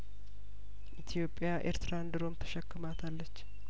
ኢትዮጵያ ኤርትራን ድሮም ተሸክማታለች